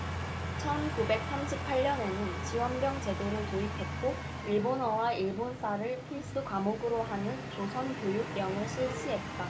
천 구백 삼십 팔 년에는 지원병 제도를 도입했고 일본어와 일본사를 필수과목으로 하는 조선교육령을 실시했다